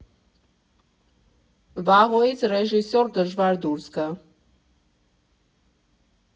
Վաղոյից ռեժիսոր դժվար դուրս գա.